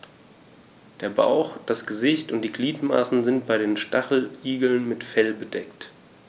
Der Bauch, das Gesicht und die Gliedmaßen sind bei den Stacheligeln mit Fell bedeckt.